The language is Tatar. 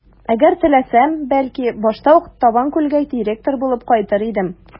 Әгәр теләсәм, бәлки, башта ук Табанкүлгә директор булып кайтыр идем.